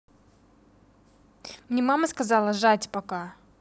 мне мама сказала жать пока